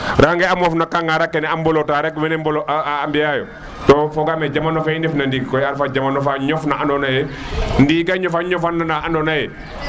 range a moof na qagara kene a mbolota rek wene mbolo a mbiya yo to fogame jamano fe i ndef na ndiki koy arefa jamano fa ñof na andona ye ndinga ñofa ñofa la ando na ye